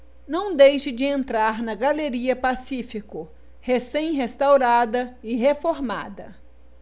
não deixe de entrar na galeria pacífico recém restaurada e reformada